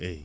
eeyi